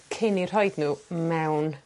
cyn 'u rhoid n'w mewn